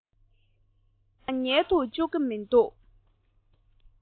འོག གི ང རང ཉལ དུ བཅུག གི མི འདུག